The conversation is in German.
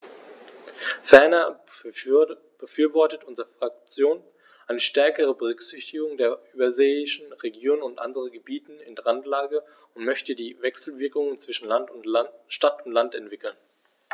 Ferner befürwortet unsere Fraktion eine stärkere Berücksichtigung der überseeischen Regionen und anderen Gebieten in Randlage und möchte die Wechselwirkungen zwischen Stadt und Land entwickeln.